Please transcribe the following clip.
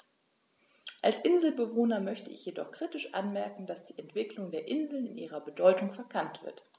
Als Inselbewohner möchte ich jedoch kritisch anmerken, dass die Entwicklung der Inseln in ihrer Bedeutung verkannt wird.